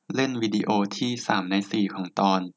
เล่นวีดิโอที่สามในสี่ของตอน